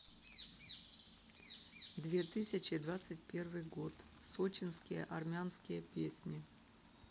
две тысячи двадцать первый год сочинские армянские песни